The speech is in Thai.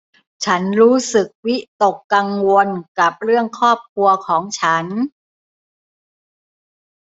ฉันรู้สึกวิตกกังวลกับเรื่องครอบครัวของฉัน